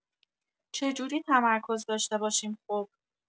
چجوری تمرکز داشته باشیم خب؟